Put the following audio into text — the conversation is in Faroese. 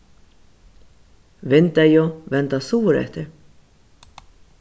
vindeygu venda suðureftir